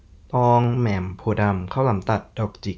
ตองแหม่มโพธิ์ดำข้าวหลามตัดดอกจิก